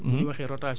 waa noonu mais nag